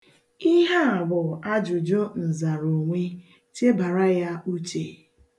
Ihe a bụ ajụjụ nzaroonwe; chebara ya uche.